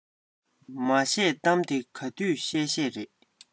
མ བཤད གཏམ དེ ག དུས བཤད བཤད རེད